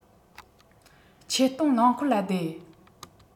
ཆེད གཏོང རླངས འཁོར ལ བསྡད